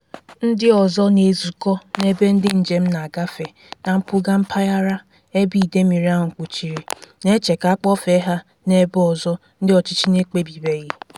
Ndị ọzọ na-ezukọ n'ebe ndị njem na-agafe na mpụga mpaghara ebe ide mmiri ahụ kpuchiri, na-eche ka a kpọfee ha n'ebe ọzọ ndị ọchịchị n'ekpebibeghị.